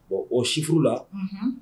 Bon o chiffre la unhun